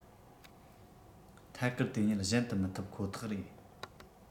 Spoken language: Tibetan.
ཐད ཀར དེ ཉིད གཞན དུ མི ཐུབ ཁོ ཐག རེད